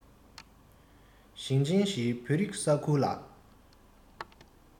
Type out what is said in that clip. ཞིང ཆེན བཞིའི བོད རིགས ས ཁུལ ལ